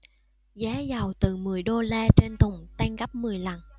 giá dầu từ mười đô la trên thùng tăng gấp mười lần